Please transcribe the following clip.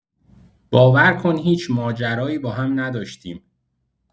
باور کن هیچ ماجرایی با هم نداشتیم.